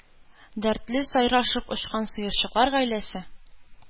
Дәртле сайрашып очкан сыерчыклар гаиләсе